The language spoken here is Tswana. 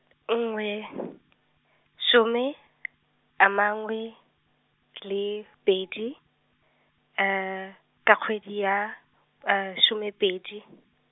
nngwe , some , a mangwe, le pedi, ka kgwedi ya, some pedi.